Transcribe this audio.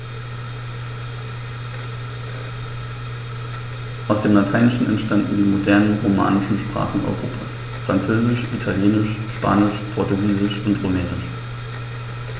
Aus dem Lateinischen entstanden die modernen „romanischen“ Sprachen Europas: Französisch, Italienisch, Spanisch, Portugiesisch und Rumänisch.